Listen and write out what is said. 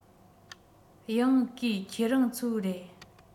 ཡང བརྐུས ཁྱེད རང ཚོའི རེད